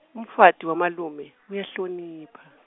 umfati wamalume uyahlonipha.